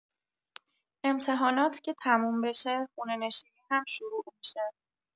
امتحانات که تموم بشه، خونه‌نشینی هم شروع می‌شه.